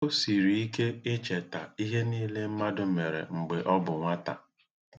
O siri ike icheta ihe niile mmadụ mere mgbe ọ bụ nwata.